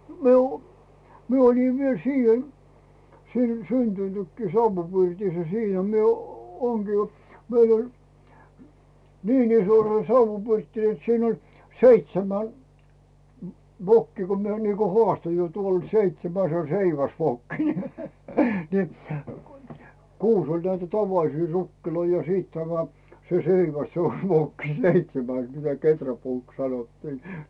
minä olin minä oli vielä siihen siinä syntynytkin savupirtissä siinä minä - olenkin meillä oli niin iso se savupirtti että siinä oli seitsemän vokkia kun minä niin kuin haastoin jo tuolla seitsemäs se oli seiväsvokki niin niin kuusi oli näitä tavallisia rukkeja ja sitten tämä se seiväs se on vokki seitsemäs mitä kehräpuuksi sanottiin